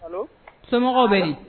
So bɛ ɲi